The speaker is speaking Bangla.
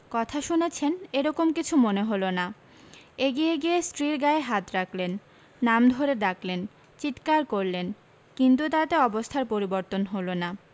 কথা শুনেছেন এ রকম কিছু মনে হলো না এগিয়ে গিয়ে স্ত্রীর গায়ে হাত রাখলেন নাম ধরে ডাকলেন চিৎকার করলেন কিন্তু তাতে অবস্থার পরিবর্তন হলো না